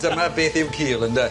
dyma beth yw cul ynde?